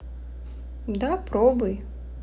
да пробуй